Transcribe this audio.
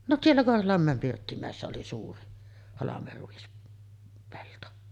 no siellä Korholanmäen Pirttimäessä oli suuri - halmeruispelto